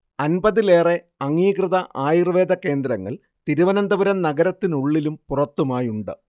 അൻപതിലേറെ അംഗീകൃത ആയുർവേദ കേന്ദ്രങ്ങൾ തിരുവനന്തപുരം നഗരത്തിനുള്ളിലും പുറത്തുമായുണ്ട്